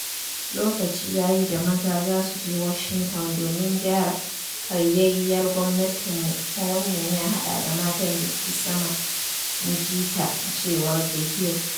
"Lokaci ya yi da mata za su je Washington domin gyara karyayyiyar gwamnatinmu kuma wannan ya hada da matan dake sama," in ji ta, a cewar The Hill.